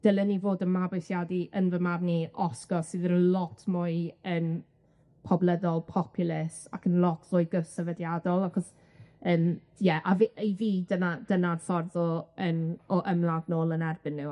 dylen ni fod y mabwysiadu yn fy marn i osgo sydd yn lot mwy yn poblyddol, populis ac yn lot fwy gwrth sefydliadol. Achos yym ie, a fe i fi dyna dyna'r ffordd o yym o ymladd nôl yn erbyn nw